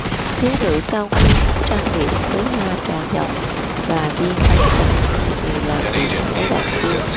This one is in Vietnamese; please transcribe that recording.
thiếu nữ cao nguyên muốn trang điểm với hoa trà dầu và đi tán tỉnh thay vì làm việc với đậu tương